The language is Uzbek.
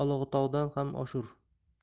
aylanish uchun olatog'dan ham oshur